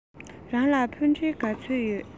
རང ལ ཕུ འདྲེན ག ཚོད ཡོད